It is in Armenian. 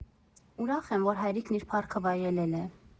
Ուրախ եմ, որ հայրիկն իր փառքը վայելել է։